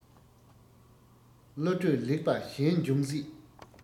བློ གྲོས ལེགས པ གཞན འབྱུང སྲིད